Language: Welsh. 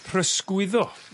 prysgwyddo